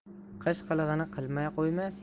qish qilig'ini qilmay qo'ymas